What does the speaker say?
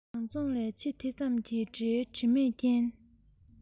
རང རྫོང ལས ཕྱི དེ ཙམ གྱི འབྲེལ འདྲིས མེད རྐྱེན